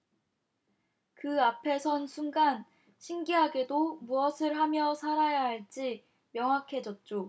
그 앞에 선 순간 신기하게도 무엇을 하며 살아야 할지 명확해졌죠